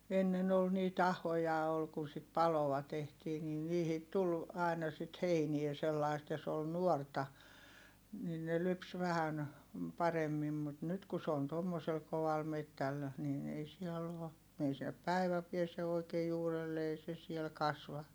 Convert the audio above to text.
ennen oli niitä ahoja oli kun sitä paloa tehtiin niin niihin tuli aina sitten heinää sellaista ja se oli nuorta niin ne lypsi vähän paremmin mutta nyt kun se on tuommoisella kovalla metsällä niin ei siellä ole ei sinne päivä pääse oikein juurelle ei se siellä kasva